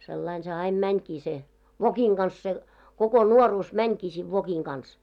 sillä lailla se aina menikin se vokin kanssa se koko nuoruus menikin siinä vokin kanssa